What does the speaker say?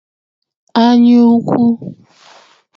anyaukwu